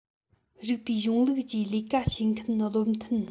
རིགས པའི གཞུང ལུགས ཀྱི ལས ཀ བྱེད མཁན བློ མཐུན